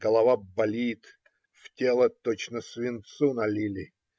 Голова болит; в тело точно свинцу налили.